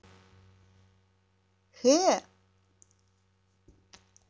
hair